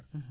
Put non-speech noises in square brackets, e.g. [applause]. [hesitation] [hesitation]